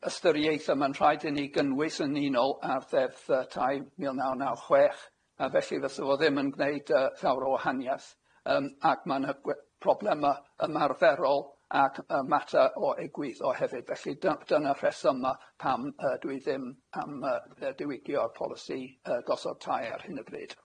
ystyriaethe ma'n rhaid i ni gynnwys yn unol â'r Ddeddf yy Tai mil naw naw chwech a felly fysa fo ddim yn gneud yy llawer o wahaniaeth yym ac ma' 'na gwe- probleme ymarferol ac yy mater o egwyddor hefyd felly dy- dyna'r rhesymau pam yy dwi ddim am yy ddiwygio'r polisi yy gosod tai ar hyn o bryd.